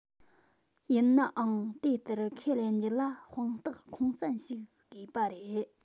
ཡིན ནའང དེ ལྟར ཁས ལེན རྒྱུ ལ དཔང རྟགས ཁུངས བཙན ཞིག དགོས པ རེད